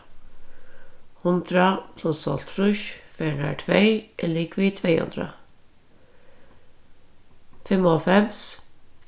hundrað pluss hálvtrýss ferðirnar tvey er ligvið tvey hundrað fimmoghálvfems